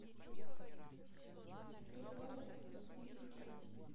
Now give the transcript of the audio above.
добавь сливки